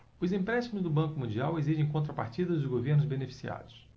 os empréstimos do banco mundial exigem contrapartidas dos governos beneficiados